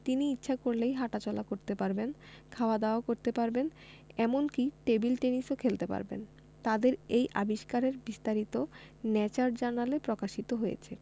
তিনি ইচ্ছা করলে হাটাচলা করতে পারবেন খাওয়া দাওয়া করতে পারবেন এমনকি টেবিল টেনিসও খেলতে পারবেন তাদের এই আবিষ্কারের বিস্তারিত ন্যাচার জার্নালে প্রকাশিত হয়েছে